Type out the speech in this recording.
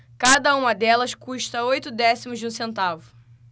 cada uma delas custa oito décimos de um centavo